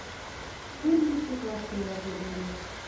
Төрле ситуацияләргә бәйле.